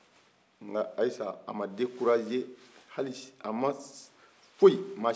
nka ayisa a ma decouragee hali foyi